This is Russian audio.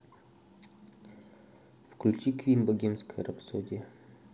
включи квин богемская рапсодия